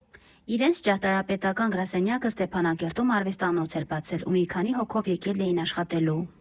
Իրենց ճարտարապետական գրասենյակը Ստեփանակերտում արվեստանոց էր բացել, ու մի քանի հոգով եկել էին աշխատելու։